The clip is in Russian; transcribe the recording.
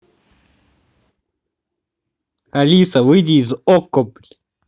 алиса выйди из okko